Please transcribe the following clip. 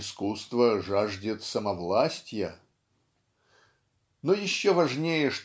"искусство жаждет самовластья") но еще важнее